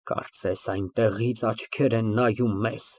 Կարծես, այնտեղից աչքեր են նայում մեզ։